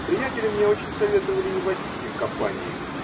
Приятели мне очень советовали не водить с ним компании